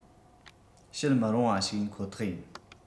བྱེད མི རུང བ ཞིག ཡིན ཁོ ཐག ཡིན